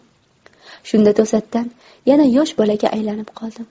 shunda to'satdan yana yosh bolaga aylanib qoldim